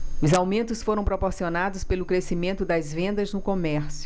os aumentos foram proporcionados pelo crescimento das vendas no comércio